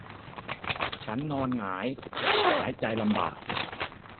ฉันนอนหงายหายใจลำบาก